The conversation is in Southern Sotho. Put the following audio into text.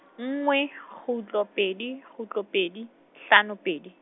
nngwe, kgutlo pedi, kgutlo pedi, hlano pedi.